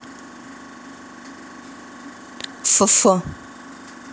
ф ф